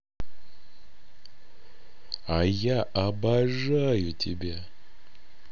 а я обожаю тебя